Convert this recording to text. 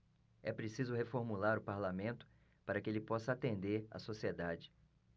é preciso reformular o parlamento para que ele possa atender a sociedade